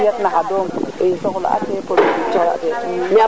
ne de mbiyat na xa doom i soxla a te produit